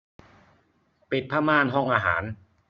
ปิดผ้าม่านห้องอาหาร